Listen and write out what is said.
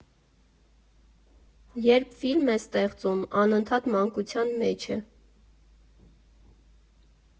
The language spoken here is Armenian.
Երբ ֆիլմ է ստեղծում, անընդհատ մանկության մեջ է.